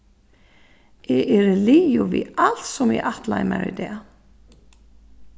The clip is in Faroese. eg eri liðug við alt sum eg ætlaði mær í dag